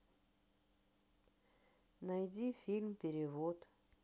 найди фильм перевод